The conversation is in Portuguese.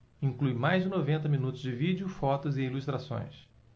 inclui mais de noventa minutos de vídeo fotos e ilustrações